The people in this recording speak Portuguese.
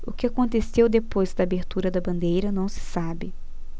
o que aconteceu depois da abertura da bandeira não se sabe